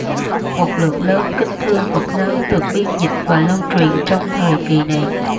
một lượng lớn kinh thư phật giáo được biên dịch và lưu truyền trong thời kỳ này